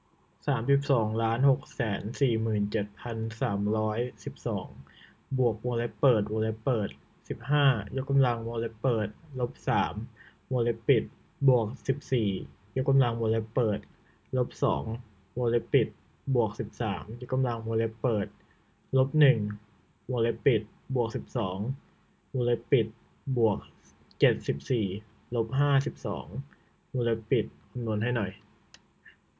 สามสิบสองล้านหกแสนสี่หมื่นเจ็ดพันสามร้อยสามสิบสองบวกวงเล็บเปิดวงเล็บเปิดสิบห้ายกกำลังวงเล็บเปิดลบสามวงเล็บปิดบวกสิบสี่ยกกำลังวงเล็บเปิดลบสองวงเล็บปิดบวกสิบสามยกกำลังวงเล็บเปิดลบหนึ่งวงเล็บปิดบวกสิบสองวงเล็บปิดบวกเจ็ดสิบสี่ลบห้าสิบสองวงเล็บปิดคำนวณให้หน่อย